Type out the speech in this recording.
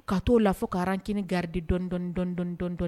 Ka t'o la fo ka rancune garder dɔɔnin dɔɔnin dɔɔnin dɔɔnin dɔɔnin